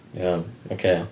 Iawn, ocê.